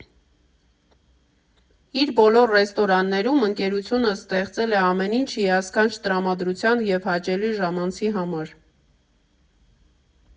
Իր բոլոր ռեստորաններում ընկերությունը ստեղծել է ամեն ինչ հիասքանչ տրամադրության և հաճելի ժամանցի համար։